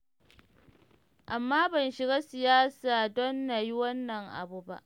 Amma ban shiga siyasa don na yi wannan abu ba.